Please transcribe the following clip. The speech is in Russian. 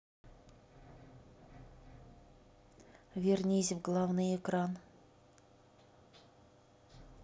вернись в главный экран